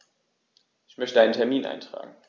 Ich möchte einen Termin eintragen.